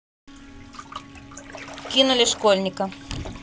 кинули школьника